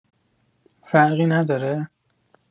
فرقی نداره؟